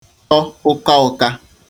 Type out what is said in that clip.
tọ ụka ụka